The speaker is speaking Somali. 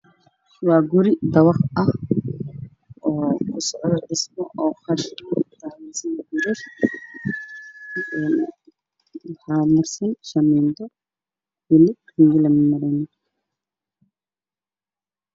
Waa guri dabaq oo dhisme ku socdo niman ayaa dhisaayo waana mataleel biro ayaa celinaayo shub ah